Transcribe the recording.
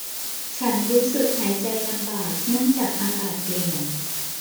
ฉันรู้สึกหายใจลำบากเนื่องจากอากาศเปลี่ยน